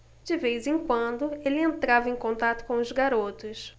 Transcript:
de vez em quando ele entrava em contato com os garotos